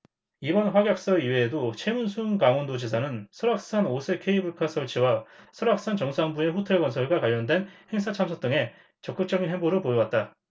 이번 확약서 이외에도 최문순 강원도지사는 설악산 오색케이블카 설치와 설악산 정상부의 호텔 건설과 관련된 행사 참석 등에 적극적인 행보를 보여왔다